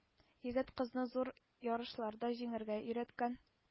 Егет-кызны зур ярышларда җиңәргә өйрәткән